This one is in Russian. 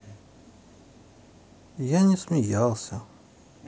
я не смеялся